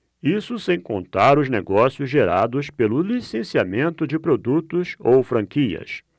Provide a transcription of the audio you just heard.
isso sem contar os negócios gerados pelo licenciamento de produtos ou franquias